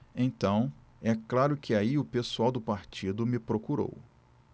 então é claro que aí o pessoal do partido me procurou